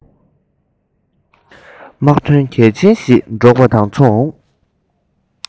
དམག དོན གལ ཆེན ཞིག སྒྲོག པ དང མཚུངས